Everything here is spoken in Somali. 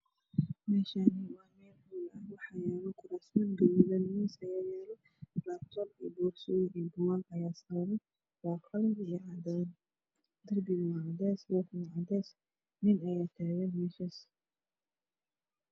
Meeshaani waxaa yaalo kuraasman boorsooyin darbiga waa cadays nin Aya taagan meesha